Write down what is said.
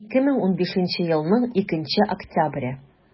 2015 елның 2 октябре